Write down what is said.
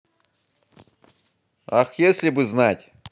ах если бы знать